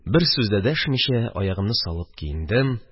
Бер сүз дә дәшмичә, аягымны салып киендем.